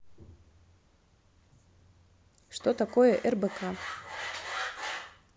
что такое рбк